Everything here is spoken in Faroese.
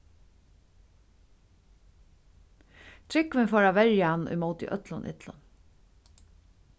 trúgvin fór at verja hann ímóti øllum illum